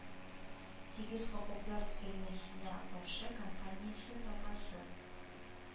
Тигез хокуклар төзәтмәсе нә каршы кампаниясе тамгасы